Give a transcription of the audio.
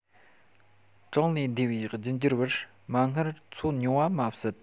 གྲངས ལས འདས པའི རྒྱུད འགྱུར བར མ སྔར འཚོ མྱོང བ མ ཟད